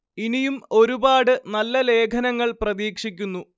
ഇനിയും ഒരുപാട് നല്ല ലേഖനങ്ങൾ പ്രതീക്ഷിക്കുന്നു